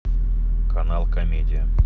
канал комедия